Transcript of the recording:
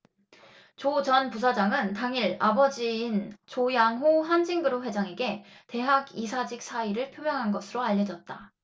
조 전 부사장은 당일 아버지인 조양호 한진그룹 회장에게 대학 이사직 사의를 표명한 것으로 알려졌다